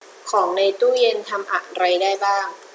ของในตู้เย็นทำอะไรได้บ้าง